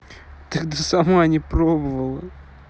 так да сама не попробовала